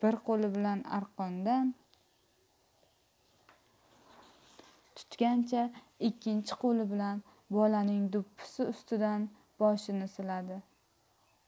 bir qo'li bilan arqondan tutgancha ikkinchi qo'li bilan bolaning do'ppisi ustidan boshini siladi